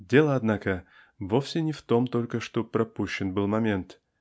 Дело, однако, вовсе не в том только, что пропущен был момент.